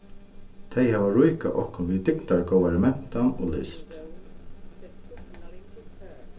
tey hava ríkað okkum við dygdargóðari mentan og list